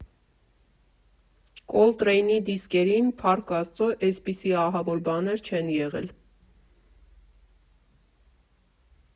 Կոլտրեյնի դիսկերին, փառք Աստծո, էսպիսի ահավոր բաներ չեն եղել։